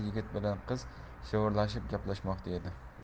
yigit bilan qiz shivirlashib gaplashmoqda edi